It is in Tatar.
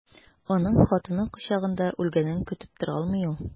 Аның хатыны кочагында үлгәнен көтеп тора алмый ул.